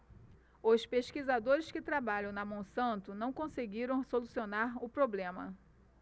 os pesquisadores que trabalham na monsanto não conseguiram solucionar o problema